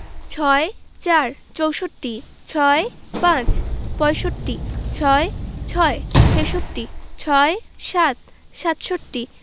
৬৪ চৌষট্টি ৬৫ পয়ষট্টি ৬৬ ছেষট্টি ৬৭ সাতষট্টি